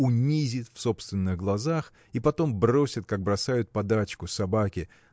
унизит в собственных глазах и потом бросит как бросают подачку собаке